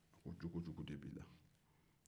o jogo jugu de bɛ i la